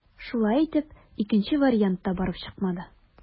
Шулай итеп, икенче вариант та барып чыкмады.